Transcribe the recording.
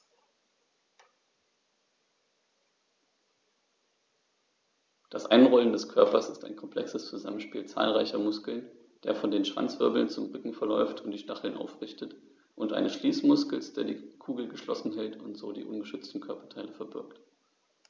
Das Einrollen des Körpers ist ein komplexes Zusammenspiel zahlreicher Muskeln, der von den Schwanzwirbeln zum Rücken verläuft und die Stacheln aufrichtet, und eines Schließmuskels, der die Kugel geschlossen hält und so die ungeschützten Körperteile verbirgt.